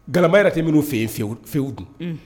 Gama yɛrɛ tɛ minnu' yen fɛnwu dun